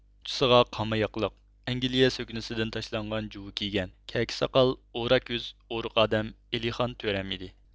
ئۇچىسىغا قاما ياقىلىق ئەنگلىيە سۆكنىسىدىن تاشلانغان جۇۋا كىيگەن كەكە ساقال ئورا كۆز ئورۇق ئادەم ئېلىخان تۆرەم ئىدى